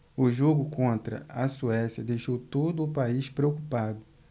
o jogo contra a suécia deixou todo o país preocupado